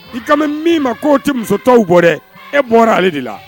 I ka min ma k'o tɛ muso tɔww bɔra dɛ e bɔra ale de la